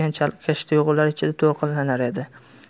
chalkash tuyg'ular ichida to'lqinlanar edi